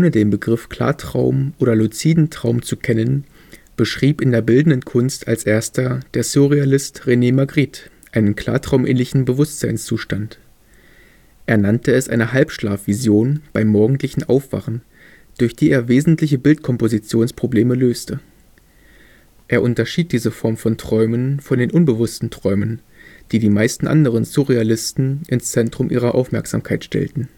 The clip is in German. den Begriff Klartraum oder luziden Traum zu kennen, beschrieb in der bildenden Kunst als Erster der Surrealist René Magritte einen klartraumähnlichen Bewußtseinszustand. Er nannte es eine Halbschlaf-Vision beim morgendlichen Aufwachen, durch die er wesentliche Bildkompositionsprobleme löste. Er unterschied diese Form von Träumen von den unbewussten Träumen, die die meisten anderen Surrealisten ins Zentrum ihrer Aufmerksamkeit stellten